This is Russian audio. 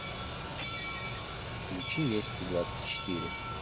включи вести двадцать четыре